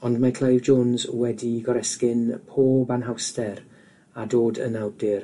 ond mae Clive Jones wedi'i goresgyn pob anhawster a dod yn awdur